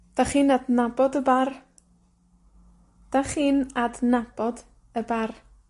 'Dach chi'n adnabod y bar? 'Dach chi'n adnabod y bar?